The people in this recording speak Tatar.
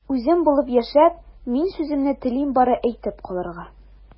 Үзем булып яшәп, мин сүземне телим бары әйтеп калырга...